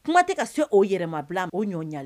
Kuma tɛ ka so o yɛlɛmamabila o ɲɔn ɲa